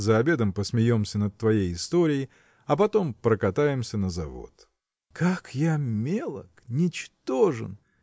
за обедом посмеемся над твоей историей, а потом прокатаемся на завод. – Как я мелок, ничтожен!